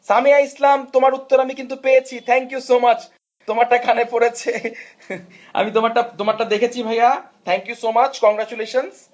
সামিয়া ইসলাম তোমার উত্তর আমি কিন্তু পেয়েছি থ্যাংক ইউ সো মাচ তোমার টা কানে পড়েছে আমি তোমারটা তোমারটা দেখেছি ভাইয়া থ্যাংক ইউ ভাইয়া কংগ্রেচুলেশনস